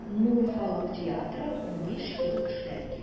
“нур” халык театры 15 ел эшләп килә.